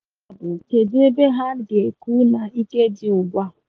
Yabụ kedu ebe ha ga-ekwu na ike dị ugbu a?